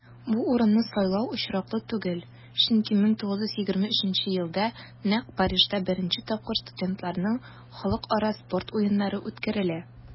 Бу урынны сайлау очраклы түгел, чөнки 1923 елда нәкъ Парижда беренче тапкыр студентларның Халыкара спорт уеннары үткәрелә.